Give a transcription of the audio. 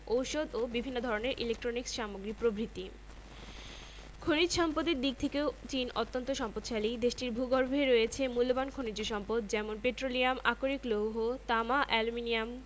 ঔষধ ও বিভিন্ন ধরনের ইলেকট্রনিক্স সামগ্রী প্রভ্রিতি খনিজ সম্পদের দিক থেকেও চীন অত্যান্ত সম্পদশালী দেশটির ভূগর্ভে রয়েছে মুল্যবান খনিজ সম্পদ যেমন পেট্রোলিয়াম আকরিক লৌহ তামা অ্যালুমিনিয়াম